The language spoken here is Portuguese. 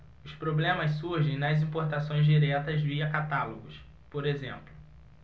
os problemas surgem nas importações diretas via catálogos por exemplo